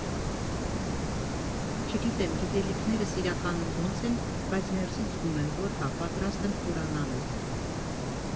Չգիտեմ՝ գիտելիքներս իրականում ոնց են, բայց ներսից զգում եմ, որ հա, պատրաստ եմ խորանալու։